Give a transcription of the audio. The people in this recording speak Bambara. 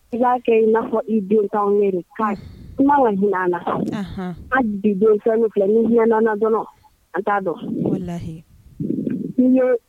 ' kɛ i n'a fɔ i den kuma ka na an den filɛ ni ɲɛɔnɔ dɔrɔn an t'a dɔn